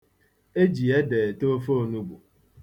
E ji ede ete ofe onugbu.